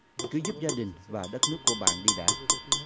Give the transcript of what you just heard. cứ giúp gia đình và đất nước của bạn đi đã